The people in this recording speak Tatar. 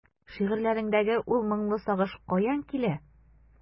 Шигырьләреңдәге ул моңлы сагыш каян килә?